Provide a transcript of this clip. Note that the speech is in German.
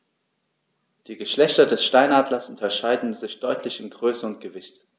Die Geschlechter des Steinadlers unterscheiden sich deutlich in Größe und Gewicht.